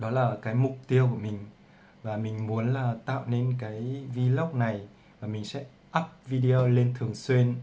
đó là mục tiêu của mình mình muốn tạo nên vlog này và up video lên thường xuyên